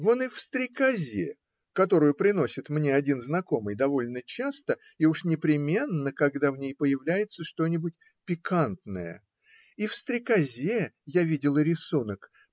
Вон и в "Стрекозе" (которую приносит мне один знакомый довольно часто и уж непременно, когда в ней появляется что-нибудь "пикантное"), и в "Стрекозе" я видела рисунок